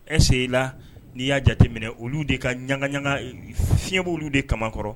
Est-ce que la n'i y'a jateminɛ olu de ka ɲagaɲaga ka finyɛ b'olu de kaman kɔrɔ